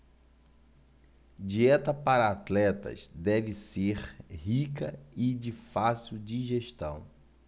dieta para atletas deve ser rica e de fácil digestão